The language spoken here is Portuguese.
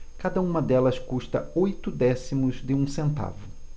cada uma delas custa oito décimos de um centavo